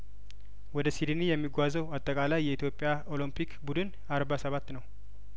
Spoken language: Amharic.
ወደ ሲዲኒ የሚጓዘው አጠቃላይ የኢትዮጵያ ኦሎምፒክ ቡድን አርባ ሰባት ነው